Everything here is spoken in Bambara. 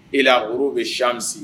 I la olu bɛ s misi